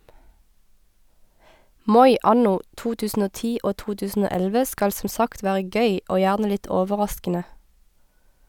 Moi anno 2010 og 2011 skal som sagt være gøy, og gjerne litt overraskende.